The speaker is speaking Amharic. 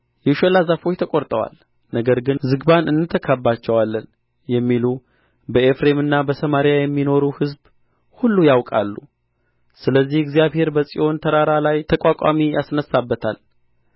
የሾላ ዛፎች ተቈርጠዋል ነገር ግን ዝግባን እንተካባቸዋለን የሚሉ በኤፍሬምና በሰማርያ የሚኖሩ ሕዝብ ሁሉ ያውቃሉ ስለዚህ እግዚአብሔር በጽዮን ተራራ ላይ ተቋቋሚ ያስነሣበታል